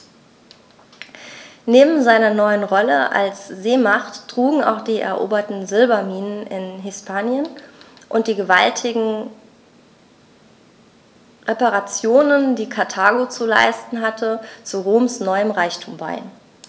Neben seiner neuen Rolle als Seemacht trugen auch die eroberten Silberminen in Hispanien und die gewaltigen Reparationen, die Karthago zu leisten hatte, zu Roms neuem Reichtum bei.